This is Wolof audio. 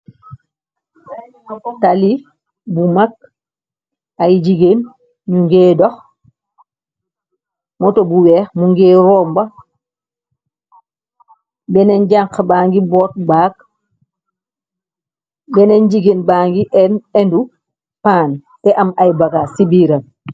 Tali bu mak ay jigeen ñu ngeey dox, motto bu wèèx mu ngee róbba, benen janxa ba ngi bót bag, benen jigeen ba ngi ènu pan teh am ay bagaas si biiram.